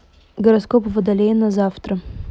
гороскоп водолея на завтра